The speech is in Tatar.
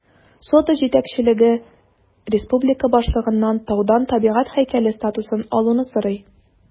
Сода җитәкчелеге республика башлыгыннан таудан табигать һәйкәле статусын алуны сорый.